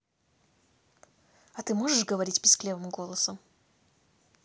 а ты можешь говорить писклявым голосом